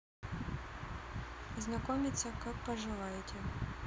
познакомиться как поживаете